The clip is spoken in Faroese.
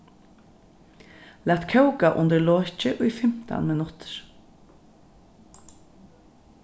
lat kóka undir loki í fimtan minuttir